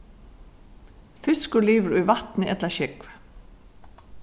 fiskur livir í vatni ella sjógvi